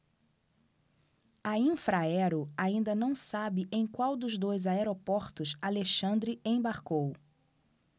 a infraero ainda não sabe em qual dos dois aeroportos alexandre embarcou